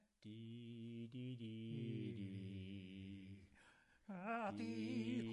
Du du du du. A du...